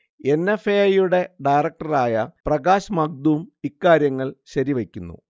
N. F. A. I. യുടെ ഡയറക്ടറായ പ്രകാശ് മഗ്ദും ഇക്കാര്യങ്ങൾ ശരിവയ്ക്കുന്നു